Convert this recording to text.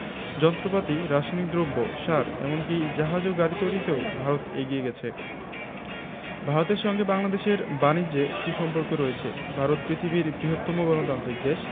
যন্ত্রপাতি রাসায়নিক দ্রব্য সার এমন কি জাহাজ ও গাড়ি তৈরিতেও ভারত এগিয়ে গেছে ভারতের সঙ্গে বাংলাদেশের বানিজ্যে সু সম্পর্ক রয়েছে ভারত পৃথিবীর বৃহত্তম গণতান্ত্রিক দেশ